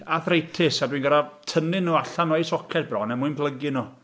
Arthritis, a dwi'n gorfod tynnu nhw allan o'u soced bron er mwyn plygu nhw.